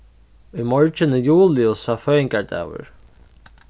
í morgin er juliusa føðingardagur